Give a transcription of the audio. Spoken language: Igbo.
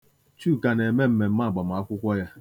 Chuka na-eme mmemme agbamakwụkwọ ya.